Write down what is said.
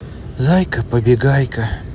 зайка побегайка